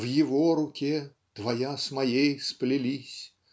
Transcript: В Его руке - твоя с моей сплелись.